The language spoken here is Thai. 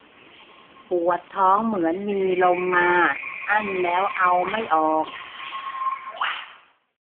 ปวดท้องเหมือนมีลมมาอั้นแล้วเอาไม่ออก